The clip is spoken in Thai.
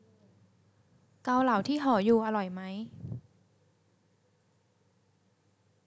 เกาเหลาที่หอยูอร่อยไหม